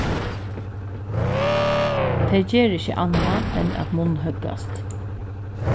tey gera ikki annað enn at munnhøggast